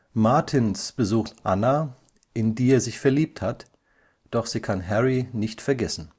Martins besucht Anna, in die er sich verliebt hat, doch sie kann Harry nicht vergessen